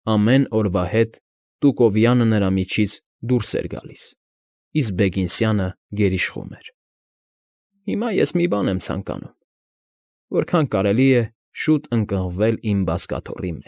Ամեն օրվա հետ տուկովյանը նրա միջից դուրս էր գալիս, իսկ բեգինսյանը գերիշխում էր։֊ Հիմա ես մի բան եմ ցանկանում. որքան կարելի է շուտ ընկղմվել իմ բազկաթոռի։